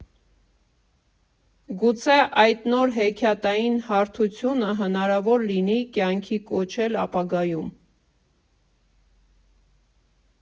Գուցե այդ նոր, հեքիաթային հարթությունը հնարավոր լինի կյանքի կոչել ապագայում։